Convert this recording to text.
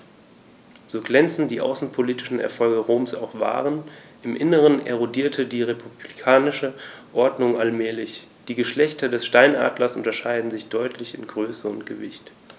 So glänzend die außenpolitischen Erfolge Roms auch waren: Im Inneren erodierte die republikanische Ordnung allmählich. Die Geschlechter des Steinadlers unterscheiden sich deutlich in Größe und Gewicht.